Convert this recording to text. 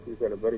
alloo